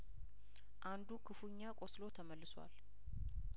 አንዱ ክፉኛ ቆስሎ ተመልሷል